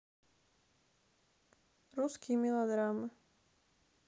русские мелодрамы